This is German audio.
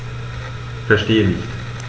Verstehe nicht.